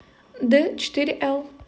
д четыре л